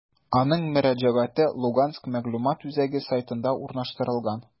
Аның мөрәҗәгате «Луганск мәгълүмат үзәге» сайтында урнаштырылган.